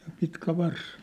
ja pitkä varsi